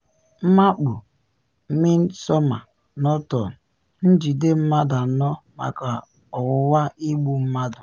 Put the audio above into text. Mmakpu Midsomer Norton: Njide mmadụ anọ maka ọnwụnwa igbu mmadụ